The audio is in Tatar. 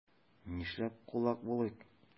Нишләп кулак булыйк?